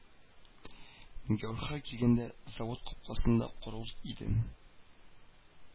Гәүһәр килгәндә, завод капкасында каравыл иде